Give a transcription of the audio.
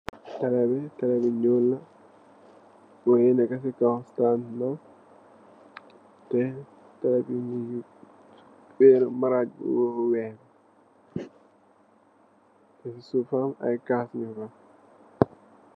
Tele bu nyull munge neka si kaw stand tele bi weru si kaw maraj bu wekh